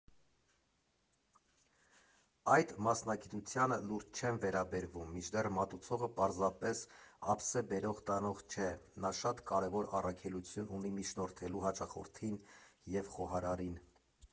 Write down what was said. Այդ մասնագիտությանը լուրջ չեն վերաբերվում, մինչդեռ մատուցողը պարզապես ափսե բերող֊տանող չէ, նա շատ կարևոր առաքելություն ունի միջնորդելու հաճախորդին և խոհարարին։